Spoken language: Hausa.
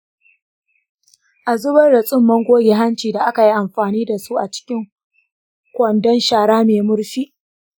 a zubar da tsunman goge hanci da aka yi amfani da su a cikin kwandon shara mai murfi.